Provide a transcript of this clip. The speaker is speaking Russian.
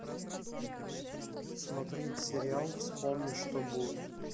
смотреть сериал вспомни что будет